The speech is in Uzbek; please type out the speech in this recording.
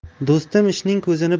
do'stim ishning ko'zini